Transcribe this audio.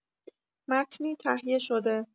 متنی تهیه‌شده